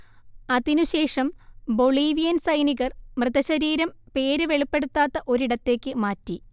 അതിനുശേഷം ബൊളീവിയൻ സൈനികർ മൃതശരീരം പേര് വെളിപ്പെടുത്താത്ത ഒരിടത്തേക്ക് മാറ്റി